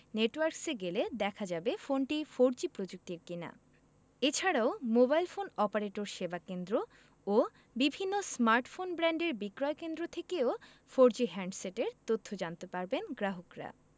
networks এ গেলে দেখা যাবে ফোনটি ফোরজি প্রযুক্তির কিনা এ ছাড়াও মোবাইল ফোন অপারেটরের সেবাকেন্দ্র ও বিভিন্ন স্মার্টফোন ব্র্যান্ডের বিক্রয়কেন্দ্র থেকেও ফোরজি হ্যান্ডসেটের তথ্য জানতে পারবেন গ্রাহকরা